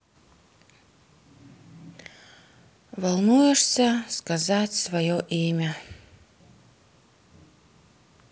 волнуешься сказать свое имя